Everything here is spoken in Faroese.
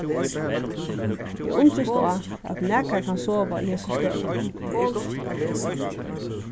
eg undrist á at nakar kann sova í hesi støðu